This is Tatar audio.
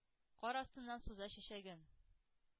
Кар астыннан суза чәчәген